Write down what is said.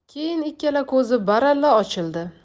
keyin ikkala ko'zi baralla ochildi